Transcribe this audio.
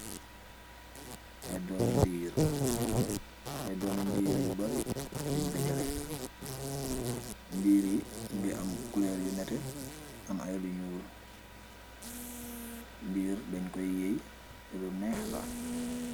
Ay doomi ndiir yu bari yun dajale ndiir yi ngi am culeir yu nete am ay lu nuul ndiir dan koy yeey te lu neexla.